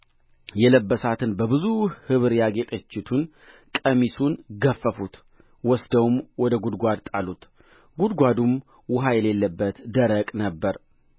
የለበሳትን በብዙ ኅብር ያጌጠቺቱን ቀሚሱን ገፈፉት ወስደውም ወደ ጕድጓድ ጣሉት ጕድጓዱም ውኃ የሌለበት ደረቅ ነበረ